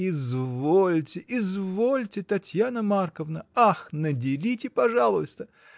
— Извольте, извольте, Татьяна Марковна, — ах, надерите, пожалуйста!